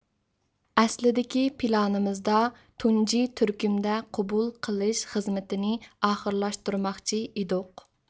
ئەسلىدىكى پىلانىمىزدا تۇنجى تۈركۈمدە قوبۇل قىلىش خىزمىتىنى ئاخىرلاشتۇرماقچى ئىدۇق